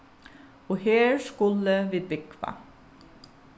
og her skulu vit búgva